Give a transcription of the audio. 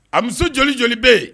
A muso joli joli bɛ yen